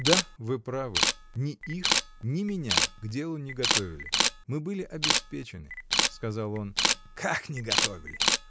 — Да, вы правы: ни их, ни меня к делу не готовили: мы были обеспечены. — сказал он. — Как не готовили?